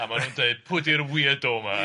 A maen nhw'n deud pwy ydi'r wierdo yma?